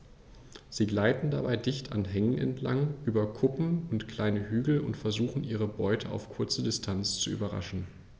Sie gleiten dabei dicht an Hängen entlang, über Kuppen und kleine Hügel und versuchen ihre Beute auf kurze Distanz zu überraschen.